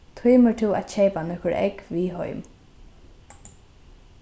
tímir tú at keypa nøkur egg við heim